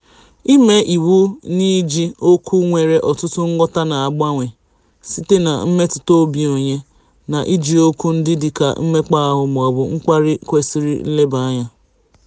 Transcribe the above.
Ime iwu n'iji okwu nwere ọtụtụ nghọta na-agbanwe site na mmetụtaobi onye, na iji okwu ndị dịka ""mmekpa ahụ"" mọọbụ "mkparị"" kwesịrị nlebanye anya.